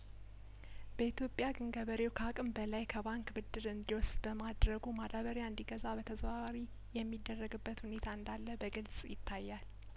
በኢትዮጵያ ግን ገበሬው ከአቅም በላይ ከባንክ ብድር እንዲ ወስድ በማድረጉ ማዳበሪያ እንዲገዛ በተዘዋዋሪ የሚደረግበት ሁኔታ እንዳለበግልጽ ይታያል